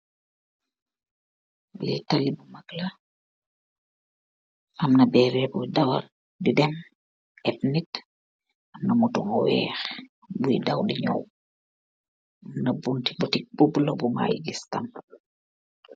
Li taleeh bu mak laah amna merem koi dawal di ebb neet ak motor bu weex bui jow amna bonteh biteek bu maii kess tam